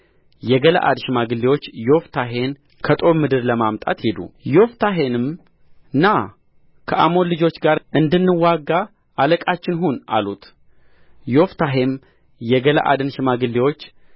የገለዓድ ሽማግሌዎች ዮፍታሔን ከጦብ ምድር ለማምጣት ሄዱ ዮፍታሔንም ና ከአሞን ልጆች ጋር እንድንዋጋ አለቃችን ሁን አሉት ዮፍታሔም የገለዓድን ሽማግሌዎች